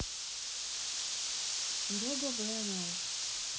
серега внл